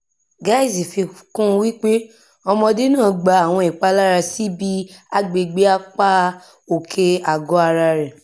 Giles fi kún un wípé ọmọdé̀ náà gba àwọn ìpalára síbi agbègbè̀ apá òké àgọ́ ara rẹ̀.